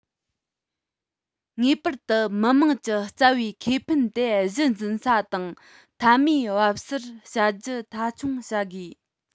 ངེས པར དུ མི དམངས ཀྱི རྩ བའི ཁེ ཕན དེ གཞི འཛིན ས དང མཐའ མའི བབ སར བྱ རྒྱུ མཐའ འཁྱོངས བྱ དགོས